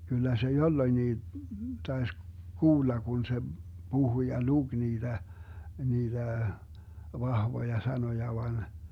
kyllä se jolloinkin taisi kuulla kun se puhui ja luki niitä niitä vahvoja sanoja vain